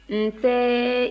nse